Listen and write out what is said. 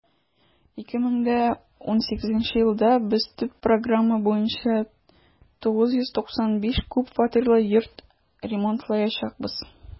2018 елда без төп программа буенча 995 күп фатирлы йорт ремонтлаячакбыз.